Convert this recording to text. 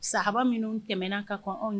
Sahaba minnu tɛmɛna ka kɔn anw ɲɛ